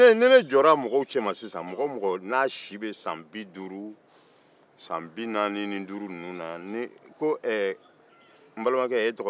ni ne jɔra mɔgɔw cɛma sisan minnu si bɛ san bi duuru ni san bi naani ni duuru ninnu na ko balimakɛ e tɔgɔ